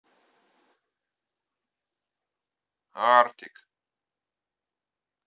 artik